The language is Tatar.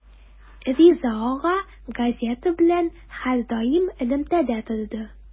Риза ага газета белән һәрдаим элемтәдә торды.